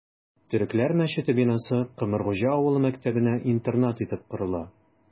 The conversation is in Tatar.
Төрекләр мәчете бинасы Комыргуҗа авылы мәктәбенә интернат итеп корыла...